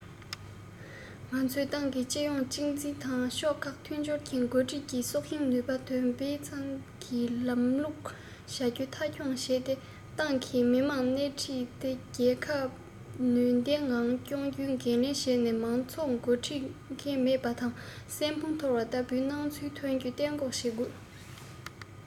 ང ཚོས ཏང གི སྤྱི ཡོངས གཅིག འཛིན དང ཕྱོགས ཁག མཐུན སྦྱོར གྱི འགོ ཁྲིད ཀྱི སྲོག ཤིང ནུས པ འདོན སྤེལ ཚང གི ལམ ལུགས བྱ རྒྱུ མཐའ འཁྱོངས བྱས ཏེ ཏང གིས མི དམངས སྣེ ཁྲིད དེ རྒྱལ ཁབ ནུས ལྡན ངང སྐྱོང རྒྱུའི འགན ལེན བྱས ནས མང ཚོགས འགོ འཁྲིད མཁན མེད པ དང སྲན ཕུང ཐོར བ ལྟ བུའི སྣང ཚུལ ཐོན རྒྱུ གཏན འགོག བྱེད དགོས